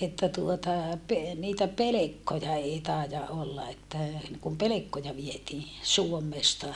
että tuota - niitä pelkkoja ei taida olla että niin kuin pelkkoja vietiin Suomesta